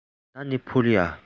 ད ནི འཕུར ཡ